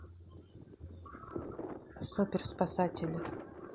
супер спасатели